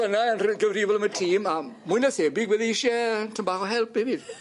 ...fyn 'na yn rhy- gyfrifol am y tîm a mwy na thebyg bydd e isie yy tym bach o help hefyd.